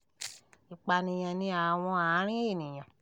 Ìpànìyàn ní àárín àwọn ènìyàn